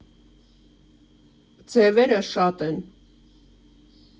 Ձևերը շատ են։